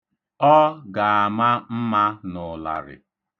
Ọ ga-ama mma n'ụlarị.